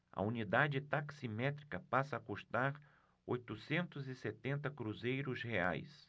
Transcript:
a unidade taximétrica passa a custar oitocentos e setenta cruzeiros reais